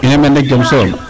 In way meene rek jam soom .